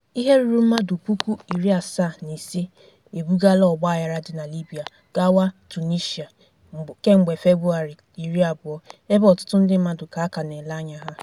Ihe rụrụ mmadụ 75,000 e bugala ọgbaghara dị na Libya gawa Tunisia kemgbe Febrụwarị 20 ebe ọtụtụ ndị mmadụ ka a ka na-ele anya ha.